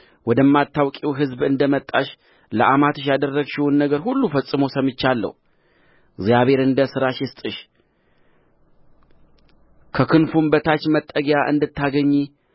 ወደማታውቂው ሕዝብ እንደ መጣሽ ለአማትሽ ያደረግሽውን ነገር ሁሉ ፈጽሞ ሰምቻለሁ እግዚአብሔር እንደ ሥራሽ ይስጥሽ ከክንፉም በታች መጠጊያ እንድታገኚ